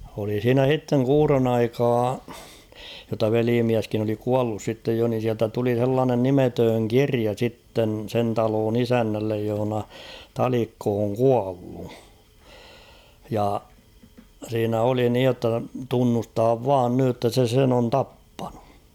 oli siinä sitten kuuron aikaa jotta velimieskin oli kuollut sitten jo niin sieltä tuli sellainen nimetön kirja sitten sen talon isännälle jossa Talikko on kuollut ja siinä oli niin jotta tunnustaa vain nyt jotta se sen on tappanut